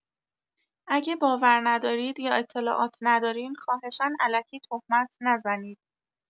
اگه باور ندارید یا اطلاعات ندارین خواهشا الکی تهمت نزنید.